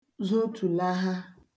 zotùlaha